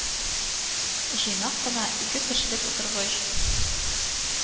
Җыйнак кына ике кешелек утыргыч